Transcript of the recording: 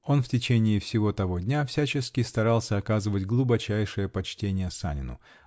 Он в течение всего того дня всячески старался оказывать глубочайшее почтение Санину